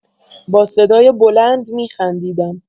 با صدای بلند می‌خندیدم.